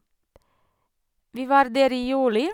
Vi var der i juli.